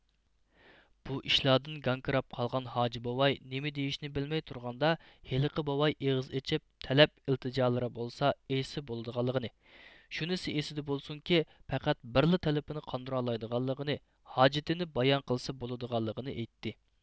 بۇ ئىشلاردىن گاڭگىراپ قالغان ھاجى بوۋاي نېمە دېيىشنى بىلمەي تۇرغاندا ھېلىقى بوۋاي ئېغىز ئېچىپ تەلەپ ئىلتىجالىرى بولسا ئېيتسا بولىدىغانلىقىنى شۇنىسى ئېسىىدە بولسۇنكى پەقەت بىرلا تەلىپىنى قاندۇرالايدىغانلىقىنى ھاجىتىنى بايان قىلسا بولىدىغانلىقىنى ئېيتتى